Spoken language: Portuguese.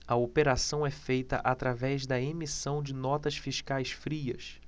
a operação é feita através da emissão de notas fiscais frias